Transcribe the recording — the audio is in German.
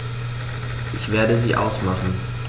Ich werde sie ausmachen.